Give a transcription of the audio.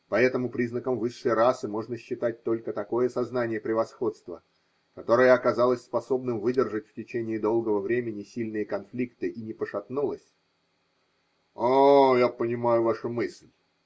Поэтому признаком высшей расы можно считать только такое сознание превосходства, которое оказалось способным выдержать в течение долгого времени сильные конфликты и не пошатнулось. – А, я понимаю вашу мысль.